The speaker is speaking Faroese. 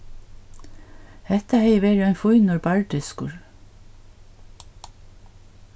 hetta hevði verið ein fínur barrdiskur